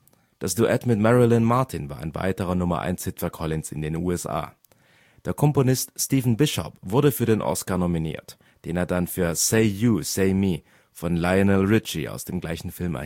Das Duett mit Marilyn Martin war ein weiterer Nummer-Eins-Hit für Collins in den USA. Der Komponist Stephen Bishop wurde für den Oscar nominiert, den er dann für Say You, Say Me von Lionel Richie aus dem gleichen Film